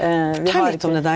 vi har.